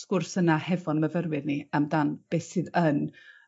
sgwrs yna hefo'n myfyrwyr ni amdan beth sydd yn